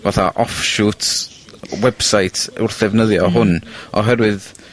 fatha offshoots, website wrth ddefnyddio hwn oherwydd